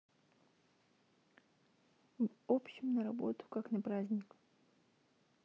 в общем на работу как на праздник